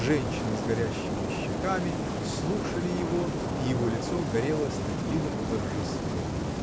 Женщины с горящими щеками слушали его, и его лицо горело стыдливым торжеством.